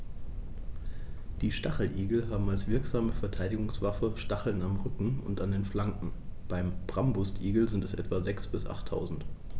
Die Stacheligel haben als wirksame Verteidigungswaffe Stacheln am Rücken und an den Flanken (beim Braunbrustigel sind es etwa sechs- bis achttausend).